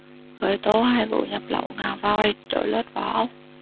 khởi tố hai vụ nhập lậu ngà voi đội lốt vỏ ốc